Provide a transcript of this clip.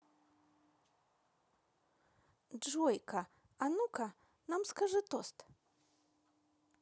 джой ка а ну ка нам скажи тост